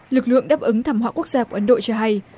lực lượng đáp ứng thảm họa quốc gia của ấn độ cho hay